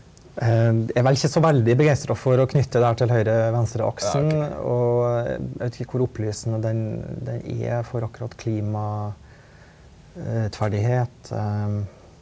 jeg vel ikke så veldig begeistra for å knytte det her til høyre-venstre-aksen og jeg veit ikke hvor opplysende den den er for akkurat klima rettferdighet .